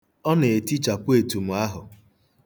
Ọ na-etichapụ etu m ahụ.